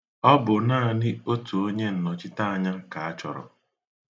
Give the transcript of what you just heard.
Ọ bụ naanị otu onyennọchiteanya ka a chọrọ.